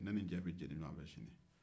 ne ni n' cɛ bɛ jeni ɲɔgɔn fɛ sini